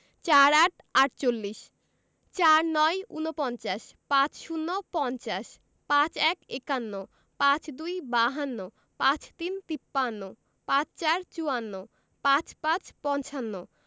৪৮ -আটচল্লিশ ৪৯ – উনপঞ্চাশ ৫০ - পঞ্চাশ ৫১ – একান্ন ৫২ - বাহান্ন ৫৩ - তিপ্পান্ন ৫৪ - চুয়ান্ন ৫৫ – পঞ্চান্ন